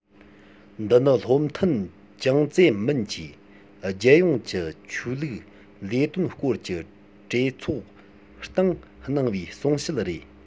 འདི ནི བློ མཐུན ཅང ཙེ རྨིན གྱིས རྒྱལ ཡོངས ཀྱི ཆོས ལུགས ལས དོན སྐོར གྱི གྲོས ཚོགས སྟེང གནང བའི གསུང བཤད རེད